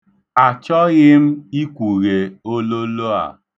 ̣Achọghị m ikwughe ololo a.